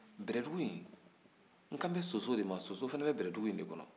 bɛlɛdugu in n kanbɛ soso de ma soso fana bɛ bɛlɛdugu de kɔnɔ